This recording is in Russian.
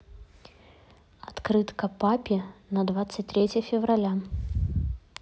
открытка папе на двадцать третье февраля